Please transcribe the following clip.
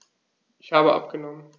Ich habe abgenommen.